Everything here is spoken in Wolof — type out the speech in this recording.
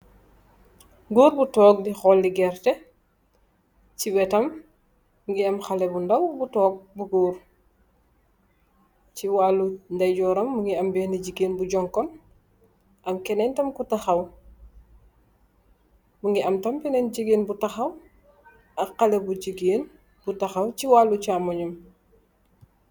Goor bu toog di xooli gerte, ci wetam mingi am xale bu ndaw bu toog bu goor, ci waalu ndayjoram mingi bena jigeen bu jonkun, am kenen tam ko taxaw, mingi am tam benen jigeen bu taxaw, ak xale bu jigeen bu taxaw ci waalu caamonyam